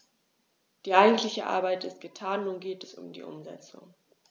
Die eigentliche Arbeit ist getan, nun geht es um die Umsetzung.